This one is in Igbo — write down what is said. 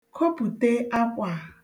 Kopute akwa a.